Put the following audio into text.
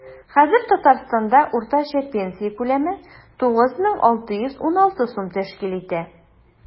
Хәзер Татарстанда уртача пенсия күләме 9616 сум тәшкил итә.